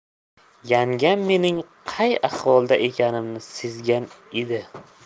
yangam mening qay ahvolda ekanimni sezgan edi